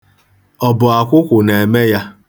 Ọ bụ akwụkwụ na-eme ya?